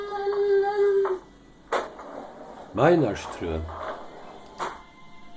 meinhartstrøð